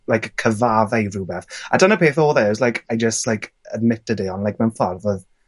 like cyfadde i rwbeth. A dyna peth odd e. I was like I jus like admitted it on' like mewn ffordd odd